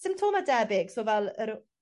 symtome debyg so fel yr w-